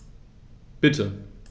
Bitte.